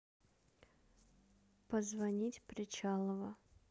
позвонить причалова